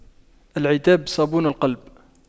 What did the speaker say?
العتاب صابون القلب